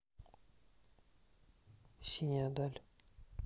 синяя даль